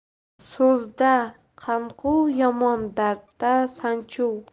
so'zda qanquv yomon dardda sanchuv